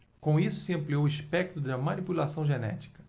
com isso se ampliou o espectro da manipulação genética